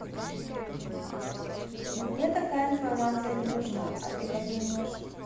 ну мне такая информация не нужна а ты как думаешь